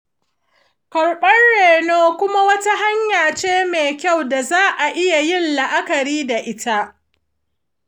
karɓar reno kuma wata hanya ce mai kyau da za a iya yin la’akari da ita.